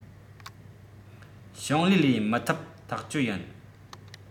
ཞིང ལས ལས མི ཐུབ ཐག ཆོད ཡིན